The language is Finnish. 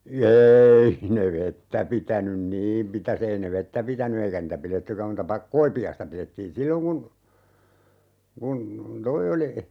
ei ne vettä pitänyt niin mitäs ei ne vettä pitänyt eikä niitä pidettykään muuta koipiaista pidettiin silloin kun kun tuo oli